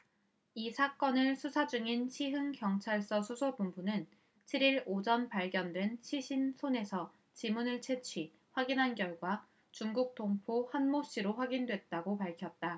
이 사건을 수사 중인 시흥경찰서 수사본부는 칠 일 오전 발견된 시신 손에서 지문을 채취 확인한 결과 중국 동포 한모씨로 확인됐다고 밝혔다